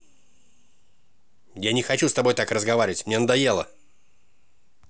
я не хочу с тобой так разговаривать мне надоело